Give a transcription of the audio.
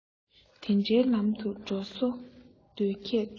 དེ འདྲའི ལམ དུ འགྲོ བཟོ སྡོད མཁས མཛོད